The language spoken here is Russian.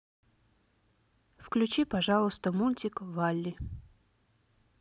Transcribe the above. включи пожалуйста мультик валли